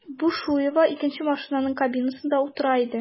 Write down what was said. Бушуева икенче машинаның кабинасында утыра иде.